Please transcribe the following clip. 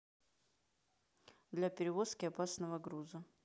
для перевозки опасного груза